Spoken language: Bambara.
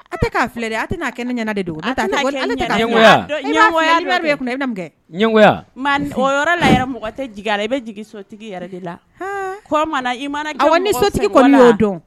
An k'a filɛ de a tɛ n'a kɛ ne ɲɛna de don i la mɔgɔ i bɛ jigin sotigi yɛrɛ de la i mana sotigi kɔ don